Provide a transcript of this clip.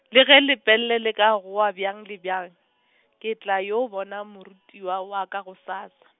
le ge Lepelle leka goa bjang le bjang, ke tla yo bona morutiwa wa ka gosasa.